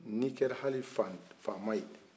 ni kɛra hali faama ye